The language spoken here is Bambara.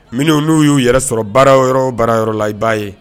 Minnuw n'u y'u yɛrɛ sɔrɔ baara yɔrɔ o baara yɔrɔ la i b'a ye